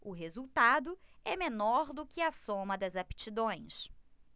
o resultado é menor do que a soma das aptidões